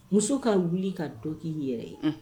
Muso'a wuli ka dɔ k'i yɛrɛ ye